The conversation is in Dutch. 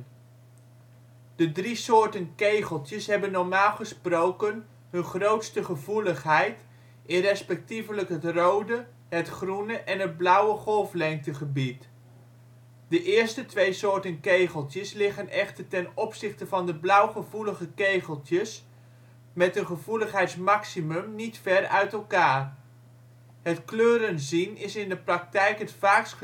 drie soorten kegeltjes hebben normaal gesproken hun grootste gevoeligheid in respectievelijk het rode, het groene en het blauwe golflengtegebied. De eerste twee soorten kegeltjes liggen echter ten opzichte van de blauw-gevoelige kegeltjes met hun gevoeligheidsmaximum niet ver uit elkaar. Het kleurenzien is in de praktijk het vaakst